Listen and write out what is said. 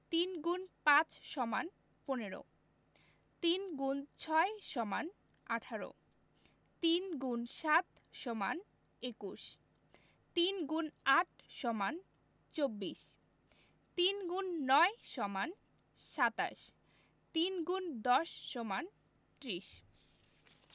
৩ X ৫ = ১৫ ৩ x ৬ = ১৮ ৩ × ৭ = ২১ ৩ X ৮ = ২৪ ৩ X ৯ = ২৭ ৩ ×১০ = ৩০